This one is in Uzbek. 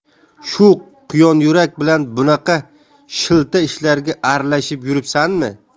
shu quyonyurak bilan bunaqa shilta ishlarga aralashib yuribsanmi